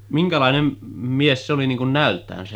minkälainen mies se oli niin kuin näöltään se